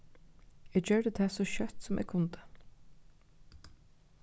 eg gjørdi tað so skjótt sum eg kundi